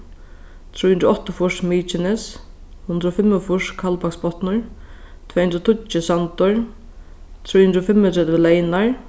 trý hundrað og áttaogfýrs mykines hundrað og fimmogfýrs kaldbaksbotnur tvey hundrað og tíggju sandur trý hundrað og fimmogtretivu leynar